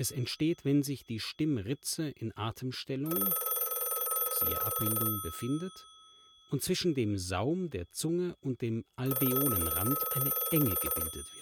entsteht, wenn sich die Stimmritze in Atemstellung (siehe Abbildung) befindet und zwischen dem Saum der Zunge und dem Alveolenrand eine Enge gebildet